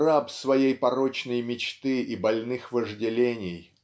Раб своей порочной мечты и больных вожделений